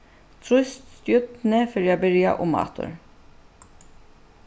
trýst stjørnu fyri at byrja umaftur